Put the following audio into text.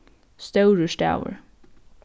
stórur stavur